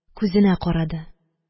Күзенә карады